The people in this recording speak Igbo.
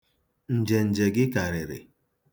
Njenje gị karịrị.